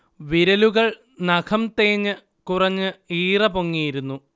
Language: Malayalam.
വിരലുകൾ നഖം തേഞ്ഞ് കുറഞ്ഞ് ഈറ പൊങ്ങിയിരുന്നു